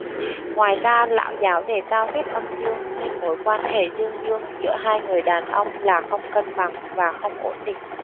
ngoài ra lão giáo đề cao thuyết âm dương nên mối quan hệ dương dương giữa hai người đàn ông là không cân bằng và không ổn định